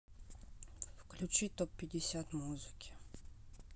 включи топ пятьдесят музыки